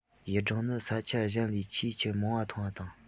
ཡུལ སྦྲང ནི ས ཆ གཞན ལས ཆེས ཆེར མང བ མཐོང བ དང